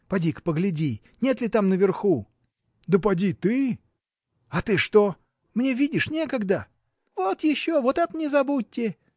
Поди-ка погляди – нет ли там наверху? – Да поди ты. – А ты что? мне, видишь, некогда! – Вот еще, вот это не забудьте!